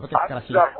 Pa ka fila